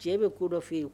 Jɛ bɛ ko dɔ fɔ e yen